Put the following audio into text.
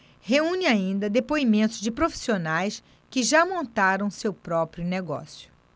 reúne ainda depoimentos de profissionais que já montaram seu próprio negócio